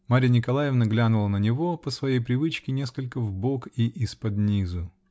Марья Николаевна глянула на него, по своей привычке, несколько вбок и из-под низу.